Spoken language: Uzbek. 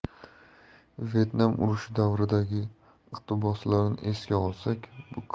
vyetnam urushi davridagi iqtiboslarni esga